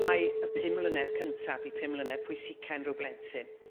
Mae y pum mlynedd cynta' 'di pum mlynedd pwysica' unryw blentyn?